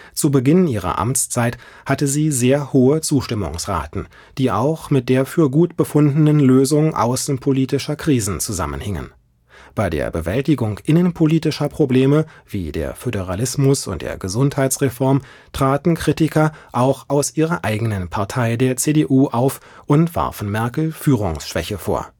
Zu Beginn ihrer Amtszeit hatte sie sehr hohe Zustimmungsraten, die auch mit der für gut befundenen Lösung außenpolitischer Krisen zusammenhingen. Bei der Bewältigung innenpolitischer Probleme wie der Föderalismus - und der Gesundheitsreform traten Kritiker auch aus ihrer eigenen Partei, der CDU, auf und warfen Merkel Führungsschwäche vor